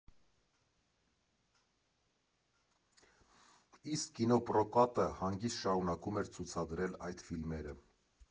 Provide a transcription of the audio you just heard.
Իսկ կինոպրոկատը հանգիստ շարունակում էր ցուցադրել այդ ֆիլմերը։